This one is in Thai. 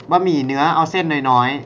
บะหมี่เนื้อเอาเส้นน้อยๆ